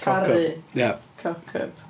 Caru... Ie. ...Cock up.